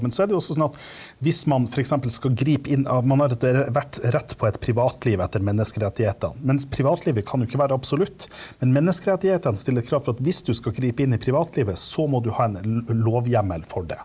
men så er det jo også sånn at hvis man f.eks. skal gripe inn av man har et rett på et privatliv etter menneskerettighetene, mens privatlivet kan jo ikke være absolutt, men menneskerettighetene stiller krav for at hvis du skal gripe inn i privatlivet, så må du ha en lovhjemmel for det.